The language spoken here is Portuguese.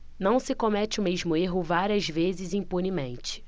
não se comete o mesmo erro várias vezes impunemente